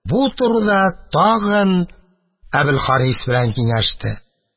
Бу турыда тагын Әбелхарис белән киңәште. Әбелхарис аңа: